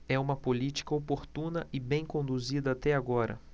é uma política oportuna e bem conduzida até agora